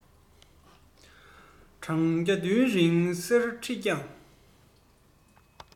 བགྲང བྱ བདུན རིང གསེར ཁྲི བསྐྱངས